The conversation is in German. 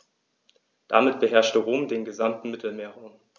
Damit beherrschte Rom den gesamten Mittelmeerraum.